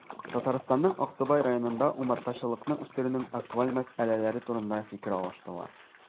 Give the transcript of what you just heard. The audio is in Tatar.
Татарстанның Аксубай районында умартачылыкны үстерүнең актуаль мәсьәләләре турында фикер алыштылар